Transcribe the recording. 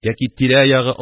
Яки тирә- ягы